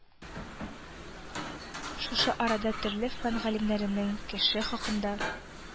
Шушы арада төрле фән галимнәренең «Кеше» хакында